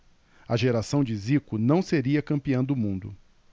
a geração de zico não seria campeã do mundo